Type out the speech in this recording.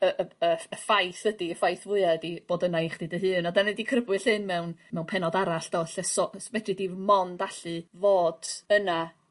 y y y y ffaith ydi ffaith fwya ydi bod yna i chdi dy hun a 'dan ni 'di crybwyll hyn mewn mewn pennod arall do lle so- s fedri 'di mond allu fod yna